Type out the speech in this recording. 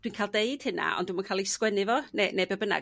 dwi'n ca'l deud hynna ond dwi'm yn ca'l i 'sgwennu fo ne' ne' be bynnag.